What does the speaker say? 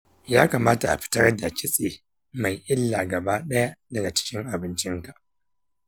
ya kamata a fitar da kitse mai illa gaba ɗaya daga cikin abincinka.